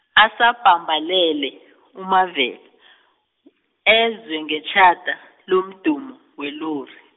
asabhambalele, uMavela , ezwe ngetjhada, lomdumo welori.